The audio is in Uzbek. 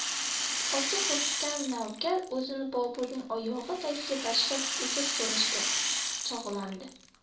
oti hurkkan navkar o'zini boburning oyog'i tagiga tashlab uzr so'rashga chog'landi